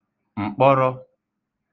m̀kpọrọ